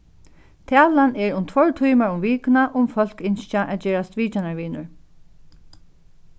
talan er um tveir tímar um vikuna um fólk ynskja at gerast vitjanarvinur